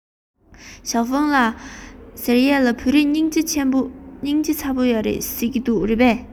ཞའོ ཧྥུང ལགས ཟེར ཡས ལ བོད རིགས སྙིང རྗེ ཚ པོ ཡོད རེད ཟེར གྱིས རེད པས